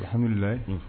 Hamilila